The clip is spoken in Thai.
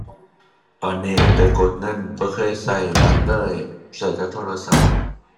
ตอนนี้ไปกดเงินบ่เคยใช้บัตรเลย ใช้แต่โทรศัพท์